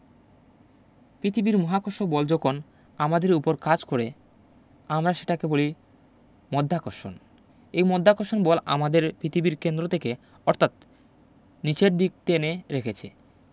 পিতিবীর মহাকর্ষ বল যখন আমাদের ওপর কাজ করে আমরা সেটাকে বলি মধ্যাকর্ষণ এই মধ্যাকর্ষণ বল আমাদের পৃথিবীর কেন্দ্র থেকে অর্থাৎ নিচের দিক টেনে রেখেছে